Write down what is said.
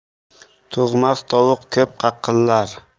tug'mas tovuq ko'p qaqillar